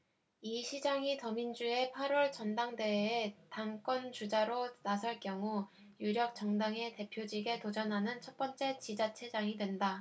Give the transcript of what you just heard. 이 시장이 더민주의 팔 월 전당대회에 당권 주자로 나설 경우 유력 정당의 대표직에 도전하는 첫번째 지자체장이 된다